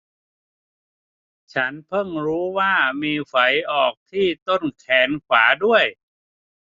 ฉันเพิ่งรู้ว่ามีไฝออกที่ต้นแขนขวาด้วย